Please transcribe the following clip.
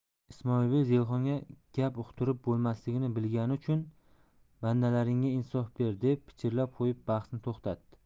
ismoilbey zelixonga gap uqdirib bo'lmasligini bilgani uchun bandalaringga insof ber deb pichirlab qo'yib bahsni to'xtatdi